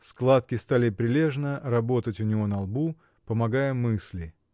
Складки стали прилежно работать у него на лбу, помогая мысли.